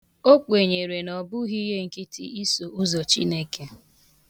O kwenyere na ọ bụghị ihe nkịtị iso ụzọ Chineke.